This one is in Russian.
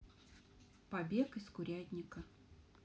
побег из курятника